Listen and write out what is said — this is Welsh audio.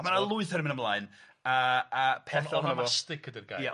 A ma' na lwyth yn myn' ymlaen a a peth onomastic ydi'r gair. Ia.